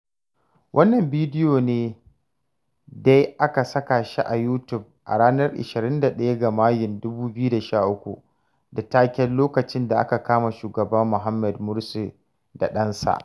Wannan bidiyon ne dai aka saka shi a YouTube a ranar 21 ga Mayu, 2013, da taken “Lokacin da aka kama Shugaba Mohamed Morsi da ɗansa.”